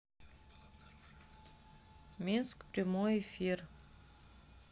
минск прямой эфир